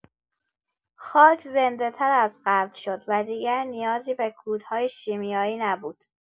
خاک زنده‌تر از قبل شد و دیگر نیازی به کودهای شیمیایی نبود.